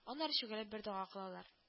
Аннары чүгәләп бер дога кылалар